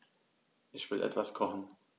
Ich will etwas kochen.